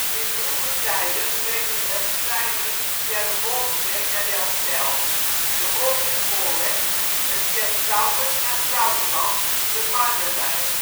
In vroeger tijden reden er ook treinen via de Woldstreek naar Delfzijl (de Woldjerspoorweg) en via Sauwerd naar Zoutkamp (de Marnelijn